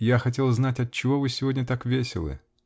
я хотел знать, отчего вы сегодня так веселы?